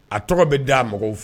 A tɔgɔ bɛ da mɔgɔw fɛ